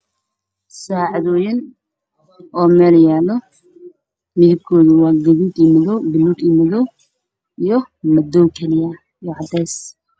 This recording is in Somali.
Halkaan waxaa ka muuqdo sadex saacadood mid ay tahay guduud iyo madaw midna ay tahay buluug iyo madaw midna ay madaw